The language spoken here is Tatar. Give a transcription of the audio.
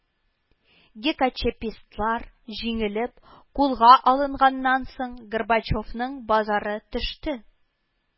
Гекачепистлар җиңелеп, кулга алынганнан соң Горбачевның базары төште